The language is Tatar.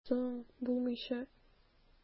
Соң, булмыйча!